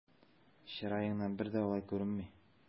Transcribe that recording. Чыраеңнан бер дә алай күренми!